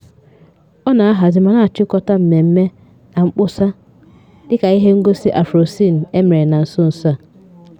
Ọ na-ahazi ma na-achịkọta mmemme na mkpọsa dịka ihe ngosi AfroCine emere na nsonso a.